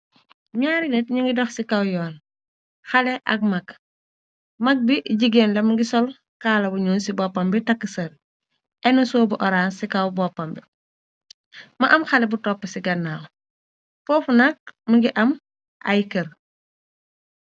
Naari nit ñu ngi dox ci kaw yoon xale ak mag mag bi jigéen la muge sol kaala bu ñunl ci boppam bi takk sër eno sewo bu orange ci kaw boppam bi mu am xale bu topp ci gannaaw foofu nakk mu ngi am ay kërr.